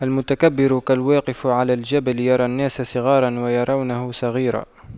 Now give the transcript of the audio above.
المتكبر كالواقف على الجبل يرى الناس صغاراً ويرونه صغيراً